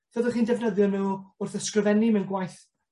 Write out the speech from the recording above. Fyddwch chi'n defnyddio nw wrth ysgrifennu mewn gwaith